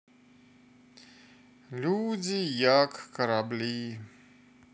люди як корабли